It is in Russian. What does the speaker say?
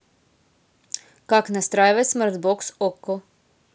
как настраивать смартбокс окко